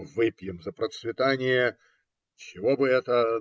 - Ну, выпьем за процветание. чего бы это?